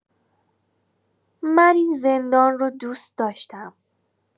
من این زندان رو دوست داشتم!